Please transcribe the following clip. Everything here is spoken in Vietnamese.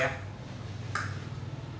kế tiếp là móc kép